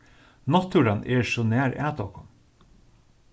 náttúran er so nær at okkum